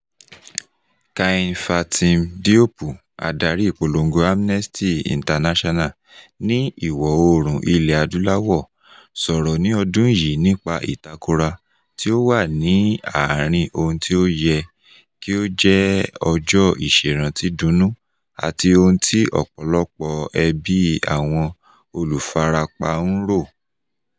Kiné-Fatim Diop, adarí ìpolongo Amnesty International ní Ìwọ̀-oòrùn Ilẹ̀-Adúláwọ̀, sọ̀rọ̀ ní ọdún yìí nípa ìtakora tí ó wà ní àárín ohun tí ó yẹ kí ó jẹ́ ọjọ́ ìṣèrántí-dunnú àti ohun tí ọ̀pọ̀lọpọ̀ ẹbí àwọn olùfarapa ń rò: